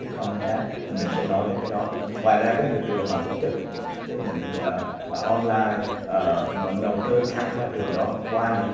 com min ép và mình sẽ nói về cái đó ngoài ra có nhiều trường hợp cũng chấp nhận ở on lai ở mà nộp đơn thẳng vào trường đó qua những